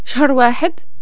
شهر واحد